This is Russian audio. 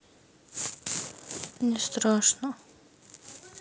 мне страшно